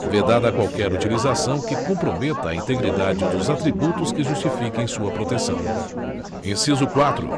vedada qualquer utilização que comprometa a integridade dos atributos que justifiquem sua proteção inciso quatro